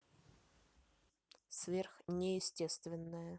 сверх не естественное